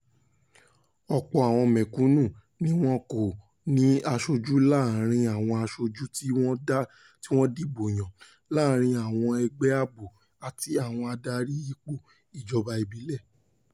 Ọ̀pọ̀ àwọn mẹ̀kúnù ni wọ́n kò ní aṣojú láàárín àwọn aṣojú tí wọ́n dìbò yàn, láàárín àwọn ẹgbẹ́ àbò àti àwọn adarí ipò ìjọba ìbílẹ̀.